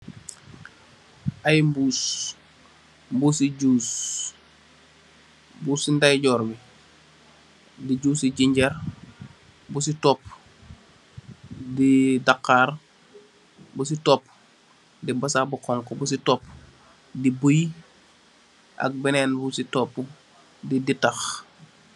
Aye mbuss mbuss si juice mung si ndeye jorr bi di juice ci ginger busi topuh di daxhar busi topuh di basap bu xhong khu busi topuh di buuye busi topuh di ditakh